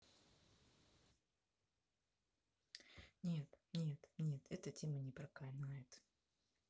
нет нет нет эта тема не проканает